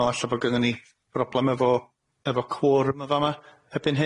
me'wl ella bo gynnon ni broblem efo efo cwr ma' fa' 'ma erbyn